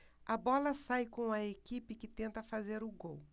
a bola sai com a equipe que tenta fazer o gol